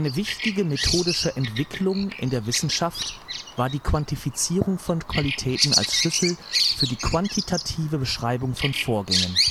wichtige methodische Entwicklung in der Wissenschaft war die Quantifizierung von Qualitäten als Schlüssel für die quantitative Beschreibung von Vorgängen